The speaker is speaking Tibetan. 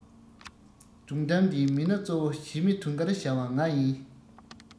སྒྲུང འདིའི མི སྣ གཙོ བོ ཞི མི དུང དཀར བྱ བ ང ཡིན